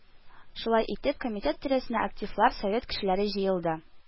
Шулай итеп, комитет тирәсенә активлар, совет кешеләре җыелды